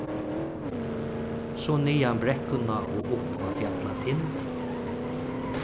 so niðan brekkuna og upp á fjallatind